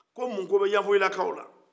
ko mun ko bɛ yanfɔlila k'aw la